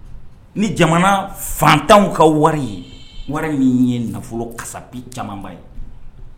Ni jamana fantanw ka wari ye wari min ye nafolo kasa camanba ye